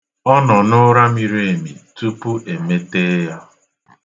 Ọ nọ n'ụra miri emi tupu e metee ya.